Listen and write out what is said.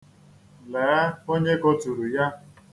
Lee onye koturu ya.